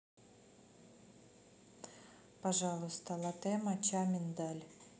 пожалуйста латте моча миндаль